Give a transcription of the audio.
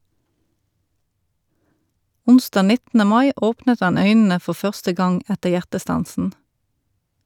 Onsdag 19. mai åpnet han øynene for første gang etter hjertestansen.